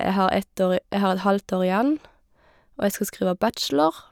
jeg har ett år i Jeg har et halvt år igjen, og jeg skal skrive bachelor.